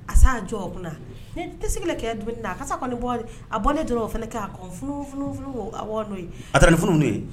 A'' jɔ o kunna tɛ sigilen kɛ don na a kasa bɔ a bɔ ne jɔ o fana kɛunuunu bɔ afunu' ye